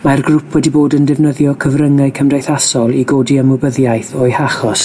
Mae'r grŵp wedi bod yn defnyddio cyfryngau cymdeithasol i godi ymwybyddiaeth o'i hachos